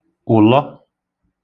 ụ̀lọ